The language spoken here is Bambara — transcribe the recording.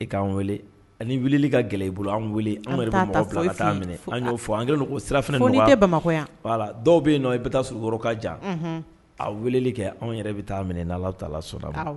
I k'an wele ni wuli ka gɛlɛ i bolo an an yɛrɛ an bɛ an'o an sira' ye bamakɔ yan dɔw bɛ yen nɔn i bɛ taa s ka jan a weele kɛ an yɛrɛ bɛ taa minɛ n' ala t' so ma